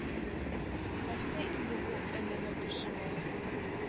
Нәрсә инде бу өнемме төшемме